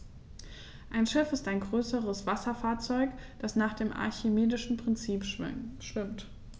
Ein Schiff ist ein größeres Wasserfahrzeug, das nach dem archimedischen Prinzip schwimmt.